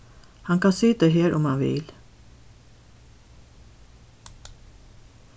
hann kann sita her um hann vil